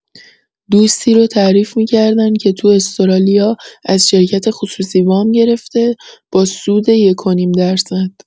دوستی رو تعریف می‌کردن که تو استرالیا از شرکت خصوصی وام گرفته، با سود ۱ ٫ ۵ درصد!